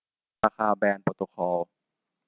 ราคาแบรนด์โปรโตคอล